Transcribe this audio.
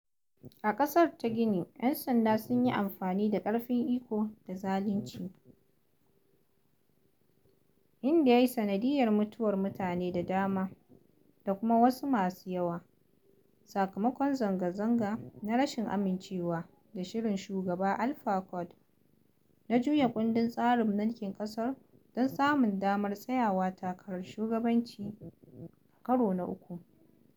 A ƙasar ta Gini, 'yan sanda sun yi amfani da ƙarfin iko da zalinci, inda ya yi sanadiyyar mutuwar mutane da dama da kuma kamun wasu masu yawa, sakamakon zanga-zanga una rashin amincewa da shirin Shugaba Alpha Conde na juya kundin tsariin mulkin ƙasar don samun damar tsayawa takarar shugabanci a karo na uku.